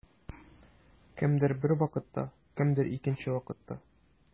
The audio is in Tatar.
Кемдер бер вакытта, кемдер икенче вакытта.